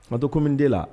Mato kɔmi min ne la